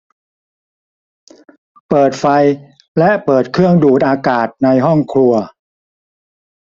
เปิดไฟและเปิดเครื่องดูดอากาศในห้องครัว